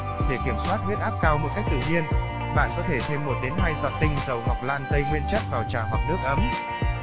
để kiểm soát huyết áp cao một cách tự nhiên bạn có thể thêm giọt tinh dầu ngọc lan tây nguyên chất vào trà hoặc nước ấm